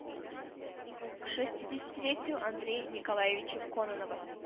К шестидесятилетию андрея николаевича кононова